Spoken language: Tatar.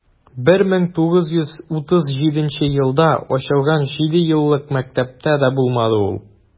1937 елда ачылган җидееллык мәктәптә дә булмады ул.